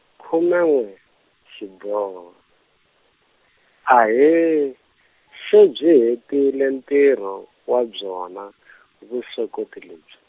khume n'we, xiboho, ahee, se byi hetile ntiro, wa byona, vusokoti lebyi.